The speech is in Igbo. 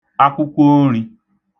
akwụkwooṙī